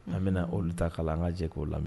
An bɛna olu ta kalan an ka jɛ k'o lamɛnmi